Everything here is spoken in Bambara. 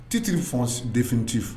Titre fonce définitif